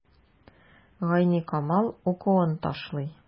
Гайникамал укуын ташлый.